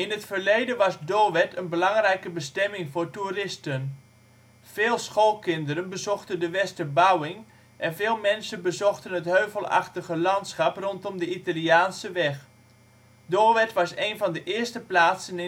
het verleden was Doorwerth een belangrijke bestemming van toeristen. Veel schoolkinderen bezochten de Westerbouwing en veel mensen bezochten het heuvelachtige landschap rondom de Italiaanse weg. Doorwerth was een van de eerste plaatsen